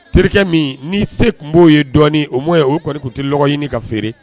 Terikɛ min ni se tun b'o ye dɔɔninɔni o'o ye o kɔnikun tɛ ɲini ka feere